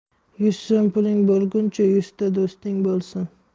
yuz so'm puling bo'lguncha yuzta do'sting bo'lsin